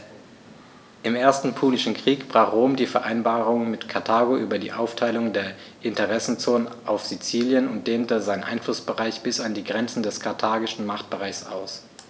Im Ersten Punischen Krieg brach Rom die Vereinbarung mit Karthago über die Aufteilung der Interessenzonen auf Sizilien und dehnte seinen Einflussbereich bis an die Grenze des karthagischen Machtbereichs aus.